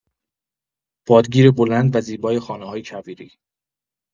بادگیر بلند و زیبای خانه‌های کویری